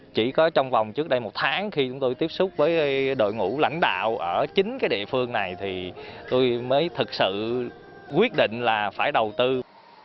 chỉ có trong vòng trước đây một tháng khi chúng tôi tiếp xúc với đội ngũ lãnh đạo ở chính cái địa phương này thì tôi mới thực sự quyết định là phải đầu tư